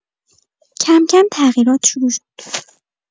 کم‌کم تغییرات شروع شد.